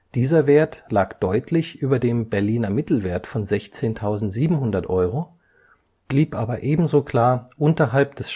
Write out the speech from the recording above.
Dieser Wert lag deutlich über dem Berliner Mittelwert von 16.700 Euro, blieb aber ebenso klar unterhalb des